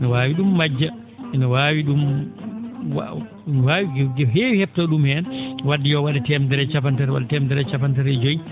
no waawi ?um majja ina waawi ?um waawi ko heewi he?too ?um heen wadde yo wa?e teemedere e cappan?e tati walla teemedere e cappan?e tati e joyi